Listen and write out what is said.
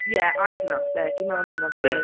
Yeah, I think that’s it. Dwi’n meddwl dyna fe.